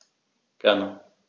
Gerne.